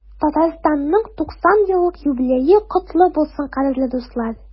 Татарстанның 90 еллык юбилее котлы булсын, кадерле дуслар!